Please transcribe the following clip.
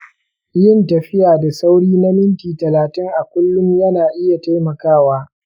yin tafiya da sauri na minti talatin a kullum na iya taimakawa.